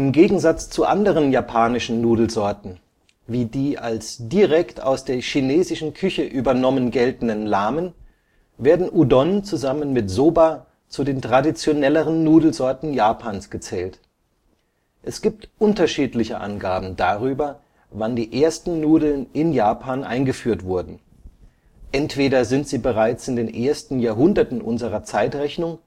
Gegensatz zu anderen japanischen Nudelsorten, wie die als direkt aus der chinesischen Küche übernommen geltenden Ramen, werden Udon zusammen mit Soba zu den traditionelleren Nudelsorten Japans gezählt. Es gibt unterschiedliche Angaben darüber, wann die ersten Nudeln in Japan eingeführt wurden. Entweder sind sie bereits in den ersten Jahrhunderten unserer Zeitrechnung